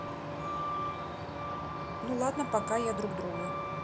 ну ладно пока я друг другу